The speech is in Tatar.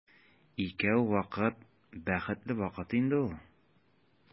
Икәү вакыт бәхетле вакыт инде ул.